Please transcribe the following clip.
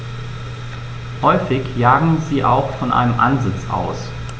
Häufig jagen sie auch von einem Ansitz aus.